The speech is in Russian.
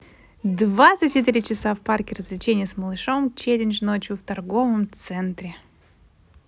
двадцать четыре часа в парке развлечений с малышом челлендж ночью в торговом центре